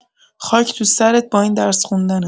خاک تو سرت با این درس خوندنت